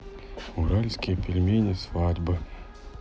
уральские пельмени свадьбы